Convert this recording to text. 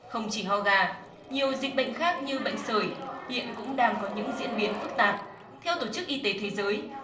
không chỉ ho gà nhiều dịch bệnh khác như bệnh sởi hiện cũng đang có những diễn biến phức tạp theo tổ chức y tế thế giới